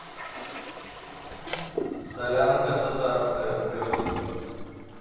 солянка татарская сберзвук